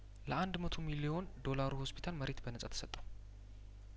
ለአንድ መቶ ሚሊዮን ዶላሩ ሆስፒታል መሬት በነጻ ተሰጠው